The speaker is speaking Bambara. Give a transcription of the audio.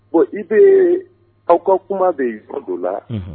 Bon i bɛ aw ka kuma bɛ o don la